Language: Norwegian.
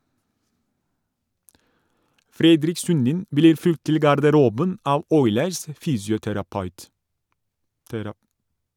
Fredrik Sundin blir fulgt til garderoben av Oilers' fysioterapeut.